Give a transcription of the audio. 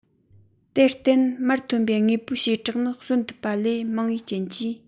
དེར བརྟེན མར ཐོན པའི དངོས པོའི བྱེ བྲག ནི གསོན ཐུབ པ ལས མང བའི རྐྱེན གྱིས